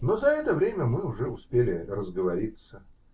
но за это время мы уже успели разговориться.